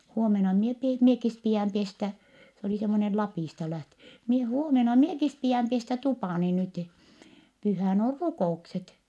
huomenna minä pidän minäkin pidän pestä se oli semmoinen Lapista - minä huomenna minäkin pidän pestä tupani nyt pyhänä on rukoukset